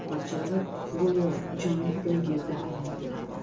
parchalari go'yo jonliday yerda aylanib yurardi